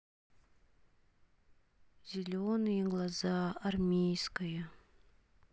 зеленые глаза армейская